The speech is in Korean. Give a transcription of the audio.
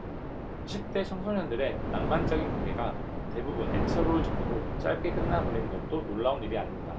십대 청소년들의 낭만적인 관계가 대부분 애처로울 정도로 짧게 끝나 버리는 것도 놀라운 일이 아닙니다